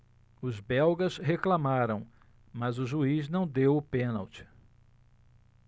os belgas reclamaram mas o juiz não deu o pênalti